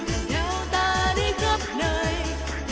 theo ta đi khắp nơi